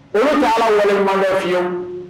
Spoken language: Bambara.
O bɛ ala wale ban fiye